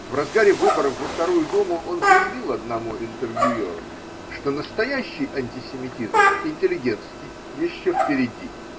В разгаре выборов во вторую Думу он заявил одному интервьюеру, что настоящий антисемитизм – интеллигентский – еще впереди.